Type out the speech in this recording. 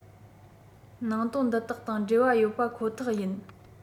ནང དོན འདི དག དང འབྲེལ བ ཡོད པ ཁོ ཐག ཡིན